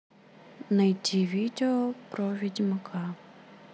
найди видео про ведьмака